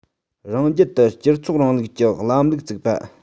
རང རྒྱལ དུ སྤྱི ཚོགས རིང ལུགས ཀྱི ལམ ལུགས བཙུགས པ